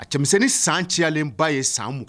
A cɛmisɛnnin san cayalenba ye san 20